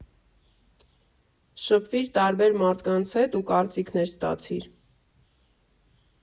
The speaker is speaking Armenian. Շփվիր տարբեր մարդկանց հետ ու կարծիքներ ստացիր։